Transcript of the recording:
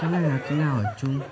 thế này là thế nào hả trung